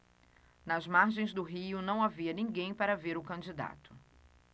nas margens do rio não havia ninguém para ver o candidato